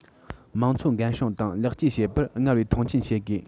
དམངས འཚོ འགན སྲུང དང ལེགས བཅོས བྱེད པར སྔར བས མཐོང ཆེན བྱེད དགོས